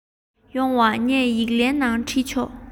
ཡོང ང ངས ཡིག ལན ནང བྲིས ཆོག